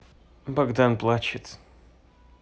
богдан плачет